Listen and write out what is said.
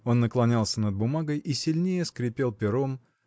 Он наклонялся над бумагой и сильнее скрипел пером